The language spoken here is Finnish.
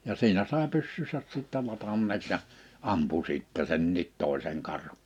ja siinä sai pyssynsä sitten ladanneeksi ja ampui sitten senkin toisen karhun